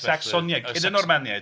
Sacsoniaid, cyn y Normaniaid